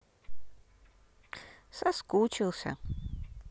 соскучился